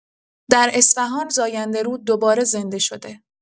در اصفهان، زاینده‌رود دوباره زنده شده.